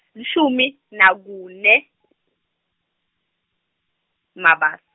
lishumi, nakune, Mabas-.